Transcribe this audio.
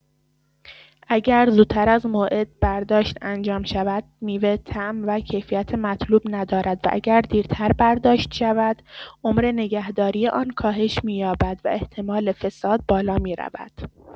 اگر زودتر از موعد برداشت انجام شود، میوه طعم و کیفیت مطلوب ندارد و اگر دیرتر برداشت شود، عمر نگهداری آن کاهش می‌یابد و احتمال فساد بالا می‌رود.